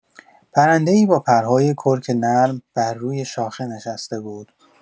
پرنده‌ای با پرهای کرک نرم بر روی شاخه نشسته بود.